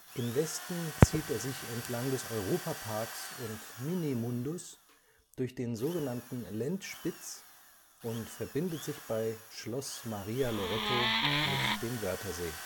Im Westen zieht er sich entlang des Europaparks und Minimundus durch den sogenannten „ Lendspitz “und verbindet sich bei Schloss Maria-Loretto mit dem Wörthersee